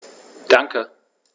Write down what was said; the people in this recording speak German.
Danke.